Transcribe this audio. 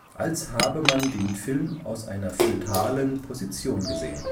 als habe man den Film aus einer fötalen Position gesehen